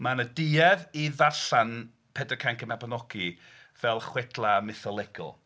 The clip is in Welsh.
Mae 'na duedd i ddarllen Pedair Cainc y Mabinogi fel chwedlau mytholegol.